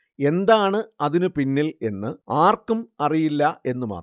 എന്താണ് അതിനു പിന്നിൽ എന്ന് ആർക്കും അറിയില്ല എന്നും മാത്രം